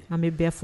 An bɛ bɛɛ fo